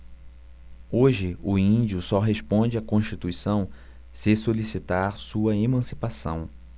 hoje o índio só responde à constituição se solicitar sua emancipação